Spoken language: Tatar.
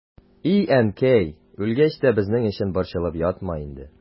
И әнкәй, үлгәч тә безнең өчен борчылып ятма инде.